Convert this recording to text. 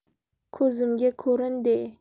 ko'zimga ko'rinde